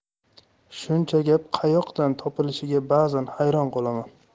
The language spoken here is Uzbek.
shuncha gap qayoqdan topilishiga bazan hayron qolaman